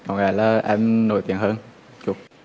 có lẽ là em nổi tiếng hơn chút